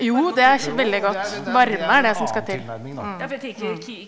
jo, det er veldig godt, varme er det som skal til .